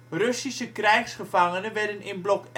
Russische krijgsgevangenen werden in blok